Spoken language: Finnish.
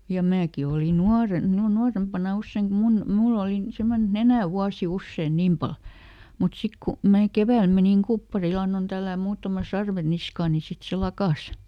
ja minäkin olin nuorena - nuorempana usein kun minun minulla oli semmoinen että nenä vuoti usein niin paljon mutta sitten kun minä keväällä menin kupparille annoin tällätä muutaman sarven niskaan niin sitten se lakkasi